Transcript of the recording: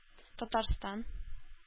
Татарстан